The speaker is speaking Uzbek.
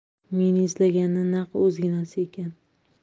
men izlaganni naq o'zginasi ekan